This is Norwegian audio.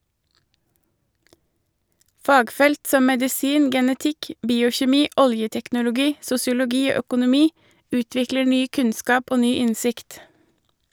Fagfelt som medisin, genetikk , biokjemi< fp>, oljeteknologi , sosiologi og økonomi utvikler ny kunnskap og ny innsikt.